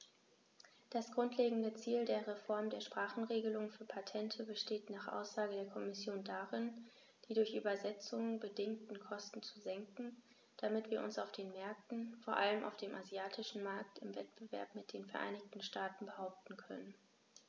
Das grundlegende Ziel der Reform der Sprachenregelung für Patente besteht nach Aussage der Kommission darin, die durch Übersetzungen bedingten Kosten zu senken, damit wir uns auf den Märkten, vor allem auf dem asiatischen Markt, im Wettbewerb mit den Vereinigten Staaten behaupten können.